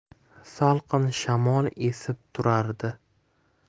salqin shamol esib turardi